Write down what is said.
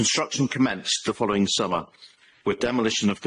Construction commenced the following summer, with demolition of